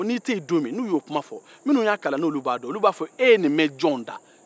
n'i tɛ yen don min n'u y'o kuma fɔ minnu y'a kalan n'olu b'a dɔn olu b'a fɔ e ye nin mɛn jɔn na